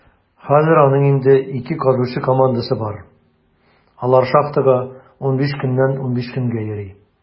Хәзер аның инде ике казучы командасы бар; алар шахтага 15 көннән 15 көнгә йөри.